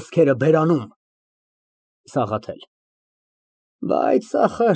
ԲԱԳՐԱՏ ֊ Դու համոզվա՞ծ ես։ ՄԱՐԳԱՐԻՏ ֊ (Դրականապես և եռանդով) Ավելի քան համոզված եմ։